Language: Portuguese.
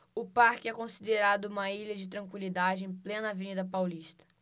o parque é considerado uma ilha de tranquilidade em plena avenida paulista